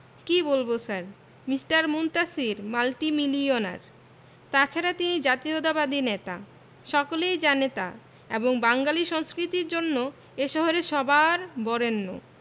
কি বলব sir Mr Muntasir multimillionaire তাছাড়া তিনি জাতীয়তাবাদী নেতা সকলেই জানে তা এবং বাঙালী সংস্কৃতির জন্য এ শহরে সবার বরেণ্য